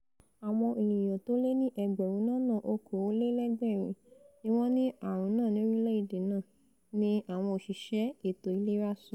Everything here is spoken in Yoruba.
Àwọn ènìyàn tólé ní ẹgbẹ̀rún lọ́nà okòólélẹ̀gbẹrin ní wọn ni ààrun náà ní orilẹ-èdè náà, ni àwọn òṣìṣẹ́ ètò ìlera sọ.